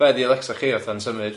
Be 'di Alexa chi fatha'n symud.